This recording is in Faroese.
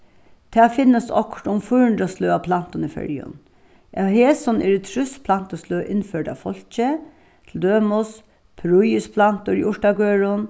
tað finnast okkurt um fýra hundrað sløg av plantum í føroyum av hesum eru trýss plantusløg innførd av fólki til dømis prýðisplantur í urtagørðum